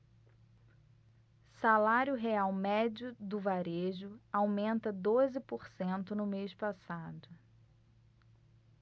salário real médio do varejo aumenta doze por cento no mês passado